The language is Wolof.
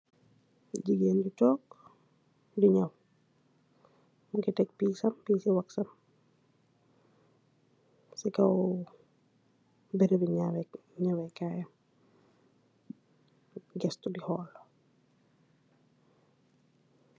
jigeen bu tokk di nyawwu.